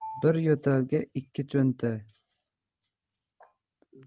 bir yo'talga ikki cho'tal